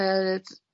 yy